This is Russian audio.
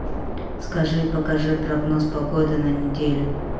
скажи покажи прогноз погоды на неделю